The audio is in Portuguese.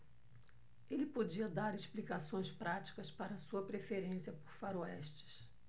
ele podia dar explicações práticas para sua preferência por faroestes